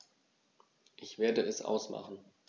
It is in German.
Ich werde es ausmachen